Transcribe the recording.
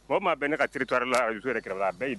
Maa o maa bɛ ne territoire la. reseau yɛrɛ kɛrɛ la abɛɛ y'i bin!